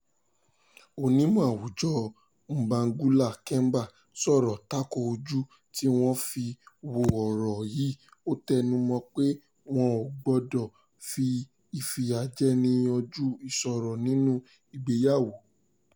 Onímọ̀ àwùjọ Mbangula Kemba sọ̀rọ̀ tako ojú tí wọ́n fi wo ọ̀rọ̀ yìí, ó tẹnumọ́ọ pé wọn ò gbọdọ̀ fi ìfìyàjẹni yanjú ìṣòro nínú ìgbéyàwó.